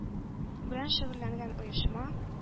Белән шөгыльләнгән оешма